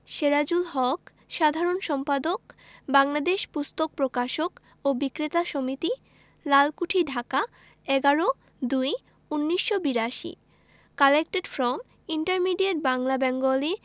সেরাজুল হক সাধারণ সম্পাদক বাংলাদেশ পুস্তক প্রকাশক ও বিক্রেতা সমিতি Lalkuthi Dhaka ১১ ০২ ১৯৮২ collected from intermediate Bangla Bengali